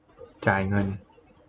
จ่ายเงิน